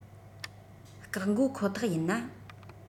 སྐག འགོ ཁོ ཐག ཡིན ན